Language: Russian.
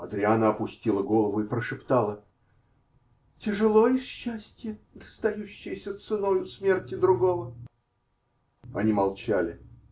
Адриана опустила голову и прошептала: -- Тяжело и счастье, достающееся ценою смерти другого. Они молчали.